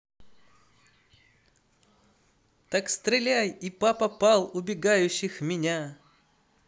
так стреляй и папа пал убегающих меня